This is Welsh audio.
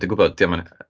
Dw i'n gwbod diom yn ai-...